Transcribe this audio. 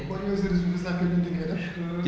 comme yeneen services yi gis naa kay ñoom ñu koy def